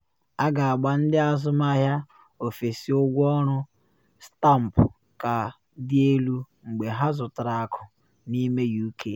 A ga-agba ndị azụmahịa ofesi ụgwọ ọrụ stampụ ka dị elu mgbe ha zụtara akụ n’ime UK